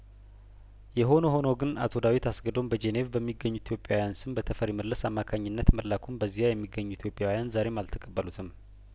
የሆነ ሆኖ ግን አቶ ዳዊት አስገዶም በጄኔቭ በሚገኙት ኢትዮጵያዊያን ስም በተፈሪ መለስ አማካኝነት መላኩን በዚያ የሚገኙ ኢትዮጵያዊያን ዛሬም አልተቀበሉትም